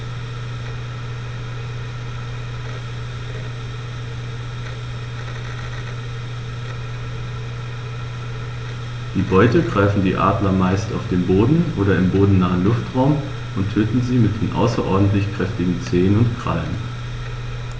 Die Beute greifen die Adler meist auf dem Boden oder im bodennahen Luftraum und töten sie mit den außerordentlich kräftigen Zehen und Krallen.